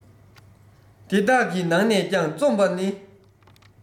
དེ དག གི ནང ནས ཀྱང རྩོམ པ ནི